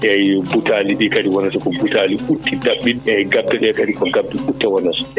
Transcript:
eyyi butaali ɗi wonata ko butaali ɓutti daɓɓi eyyi gabbe ɗe kadi ko gabbe ɓutte wonata